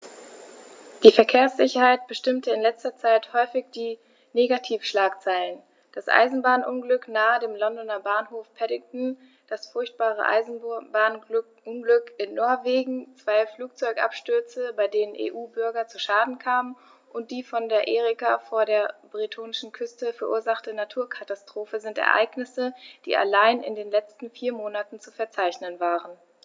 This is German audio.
Die Verkehrssicherheit bestimmte in letzter Zeit häufig die Negativschlagzeilen: Das Eisenbahnunglück nahe dem Londoner Bahnhof Paddington, das furchtbare Eisenbahnunglück in Norwegen, zwei Flugzeugabstürze, bei denen EU-Bürger zu Schaden kamen, und die von der Erika vor der bretonischen Küste verursachte Naturkatastrophe sind Ereignisse, die allein in den letzten vier Monaten zu verzeichnen waren.